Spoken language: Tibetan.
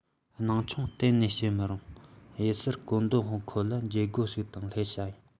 སྣང ཆུང གཏན ནས བྱེད མི རུང གཡུལ སར བཀོད འདོམས དཔོན ཁོ ལ འཇབ རྒོལ ཞིག དང བསླབ བྱ ཡིན